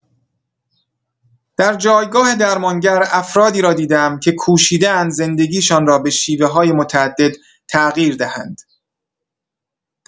در جایگاه درمانگر افرادی را دیده‌ام که کوشیده‌اند زندگی‌شان را به شیوه‌های متعدد تغییر دهند.